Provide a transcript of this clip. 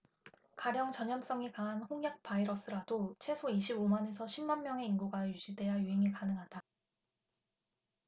가령 전염성이 강한 홍역 바이러스라도 최소 이십 오 만 에서 쉰 만명의 인구가 유지돼야 유행이 가능하다